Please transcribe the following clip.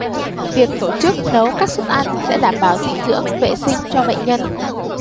việc tổ chức nấu các suất ăn sẽ đảm bảo dinh dưỡng vệ sinh cho bệnh nhân